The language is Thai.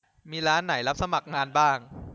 มีร้านไหนรับสมัครงานบ้าง